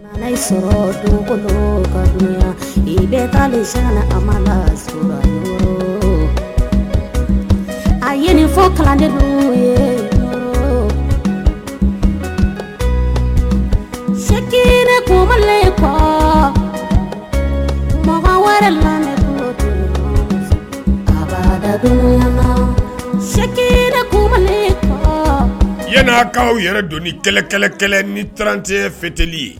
I bɛ ka ma a yefɔ ka sɛkumalen kɔ ma wɛrɛla sɛ kumalen yankaw yɛrɛ don ni kɛlɛkɛla ni tran tɛ fitiri ye